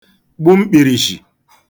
gbu mkpìlrshì